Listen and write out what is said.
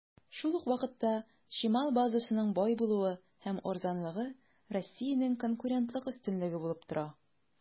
Шул ук вакытта, чимал базасының бай булуы һәм арзанлыгы Россиянең конкурентлык өстенлеге булып тора.